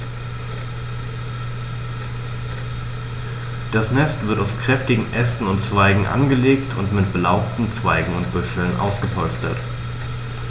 Das Nest wird aus kräftigen Ästen und Zweigen angelegt und mit belaubten Zweigen und Büscheln ausgepolstert.